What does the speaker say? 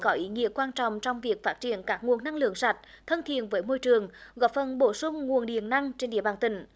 có ý nghĩa quan trọng trong việc phát triển các nguồn năng lượng sạch thân thiện với môi trường góp phần bổ sung nguồn điện năng trên địa bàn tỉnh